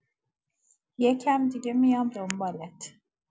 یکم دیگه میام دنبالت.